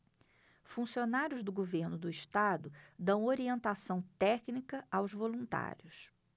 funcionários do governo do estado dão orientação técnica aos voluntários